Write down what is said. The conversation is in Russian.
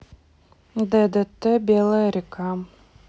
ддт белая река